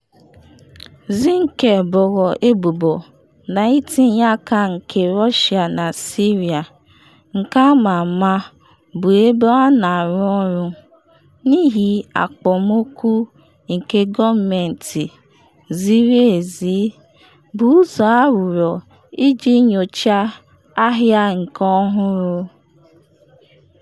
Zinke boro ebubo na itinye aka nke Russia na Syria - nke ama ama, bụ ebe ọ na-arụ ọrụ n’ihi akpọmoku nke gọọmentị ziri ezi - bụ ụzọ aghụghọ iji nyochaa ahịa ike ọhụrụ.